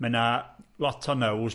Mae na lot o Nows.